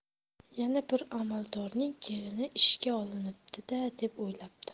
yana bir amaldorning kelini ishga olinibdi da deb o'yladi